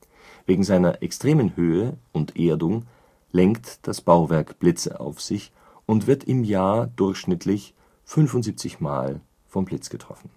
Wegen seiner extremen Höhe und Erdung lenkt das Bauwerk Blitze auf sich und wird im Jahr durchschnittlich 75 Mal vom Blitz getroffen